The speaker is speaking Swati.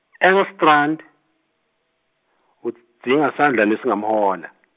Engstrand, Udzinga sandla lesingamhola.